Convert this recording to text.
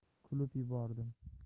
kulib yubordim